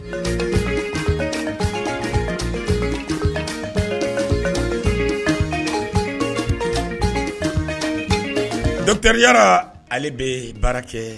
San dɔteyara ale bɛ baara kɛ